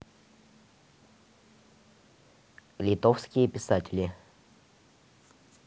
литовские писатели